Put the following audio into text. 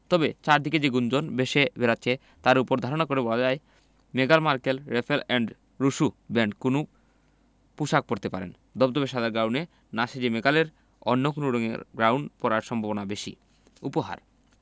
তবে চারদিকে যে গুঞ্জন ভেসে বেড়াচ্ছে তার ওপর ধারণা করে বলা যায় মেগান Markle Ralph and Russo brand কোনো পোশাক পরতে পারেন ধবধবে সাদা গাউনে না সেজে মেগানের অন্য কোন রঙের গাউন পরার সম্ভাবনা বেশি উপহার